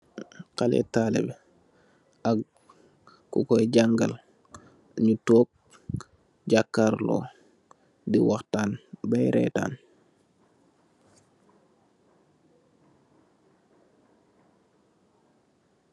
Xaleh talibeh ak kokui jangale nyu tog jakarlu di wahtan beei reetan.